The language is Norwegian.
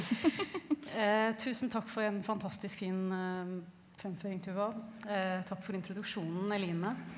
tusen takk for en fantastisk fin fremføring Tuva takk for introduksjonen Eline.